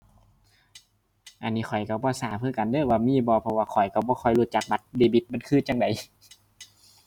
อันนี้ข้อยก็บ่ทราบคือกันเด้อว่ามีบ่ เพราะว่าข้อยก็บ่รู้จักบัตรเดบิตมันคือจั่งใด